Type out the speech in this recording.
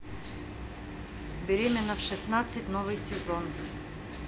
беременна в шестнадцать новый сезон